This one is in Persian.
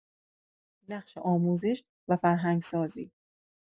نقش آموزش و فرهنگ‌سازی